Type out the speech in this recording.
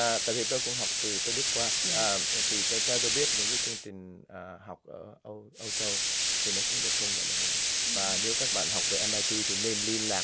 à tại vì tôi cũng học từ từ đức qua à thì theo tôi biết những cái chương trình học ở âu âu châu thì nó cũng được công nhận ở mỹ và nếu các bạn học về em ai ti thì nên liên lạc